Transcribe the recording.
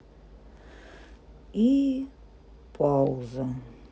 и пауза